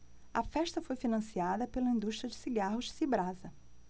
a festa foi financiada pela indústria de cigarros cibrasa